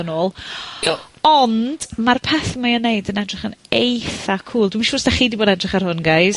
yn ôl, ond ma'r peth mae o'n neud yn edrych yn eitha cŵl. Dwi'm yn siŵr 's 'dach chi 'di bod edrych ar hwn, guys.